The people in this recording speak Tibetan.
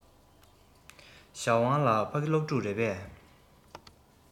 ཞའོ ཧྥུང ལགས ཕ གི སློབ ཕྲུག རེད པས